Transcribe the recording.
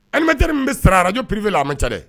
Ali majari min bɛ sara araj perepifi a ma ca dɛ